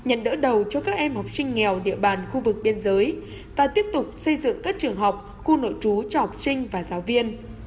nhận đỡ đầu cho các em học sinh nghèo địa bàn khu vực biên giới và tiếp tục xây dựng các trường học khu nội trú cho học sinh và giáo viên